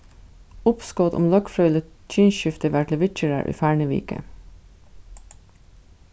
uppskot um løgfrøðiligt kynsskifti var til viðgerðar í farnu viku